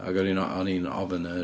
Ac o'n i'n o- o'n ni'n ofn yr...